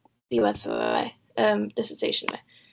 Diwedd fy, yy yym, dissertation fi.